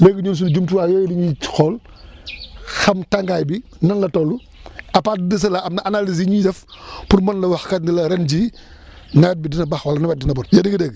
léegi ñun suñu jumtuwaay yooyu la ñuy xool xam tàngaay bi nan la toll à partir de cela am na analyses yu ñuy def pour mën la wax kat ni la ren jii nawet bi dina baax wala nawet dina bon yéen a ngi dégg